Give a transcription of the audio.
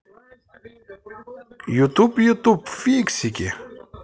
ютуб ютуб фиксики